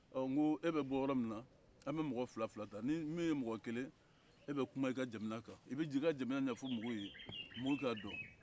ɔ nko e bɛ bɔ yɔrɔ min na a bɛ mɔgɔ fila-fila ta ni min ye mɔgɔ kelen ye e bɛ kuma e ka jamana kan i bɛ e ka jamana ɲɛfɔ mɔgɔw ye mɔɔ ka don